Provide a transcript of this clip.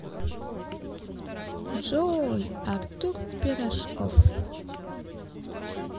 джой артур пирожков